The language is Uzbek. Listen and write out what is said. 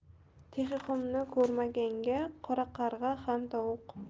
txixumni ko'rmaganga qoraqarg'a ham tovuq